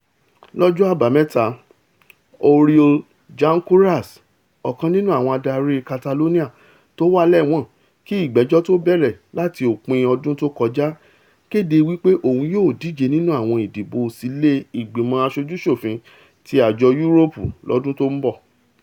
Lọ́jọ́ Àbámẹ́ta, Oriol Junqueras, ọ̀kan nínú àwọn adarí Catalonia tówà lẹ́wọ̀n kí ìgbẹ́jọ́ tó bẹ̀rẹ̀ láti òpin ọdún tó kọjá, kéde wí pé òun yóò díje nínú àwọn ìdìbò sílé Ìgbímọ̀ Aṣojú-ṣòfin ti Àjọ Yúróòpù lọ́dún tó ńbọ̀.